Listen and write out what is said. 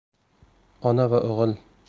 ona va o'g'il